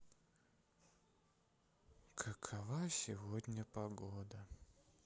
какова сегодня погода